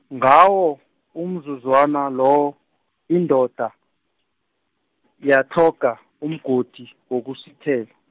ngawo, umzuzwana lowo, indoda, yatlhoga umgodi wokusithela.